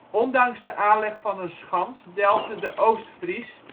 Ondanks de aanleg van een schans delfde de Oost-Fries in 1514